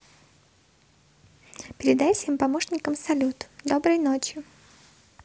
передай всем помощникам салют доброй ночи